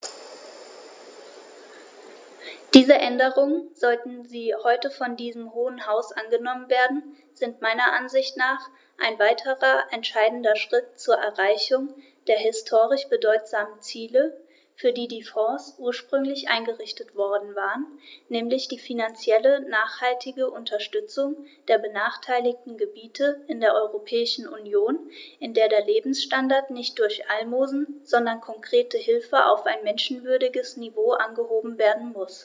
Diese Änderungen, sollten sie heute von diesem Hohen Haus angenommen werden, sind meiner Ansicht nach ein weiterer entscheidender Schritt zur Erreichung der historisch bedeutsamen Ziele, für die die Fonds ursprünglich eingerichtet worden waren, nämlich die finanziell nachhaltige Unterstützung der benachteiligten Gebiete in der Europäischen Union, in der der Lebensstandard nicht durch Almosen, sondern konkrete Hilfe auf ein menschenwürdiges Niveau angehoben werden muss.